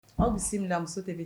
Aw bɛ bisimila minɛ muso kelen